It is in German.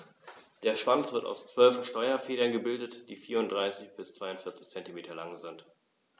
Der Schwanz wird aus 12 Steuerfedern gebildet, die 34 bis 42 cm lang sind.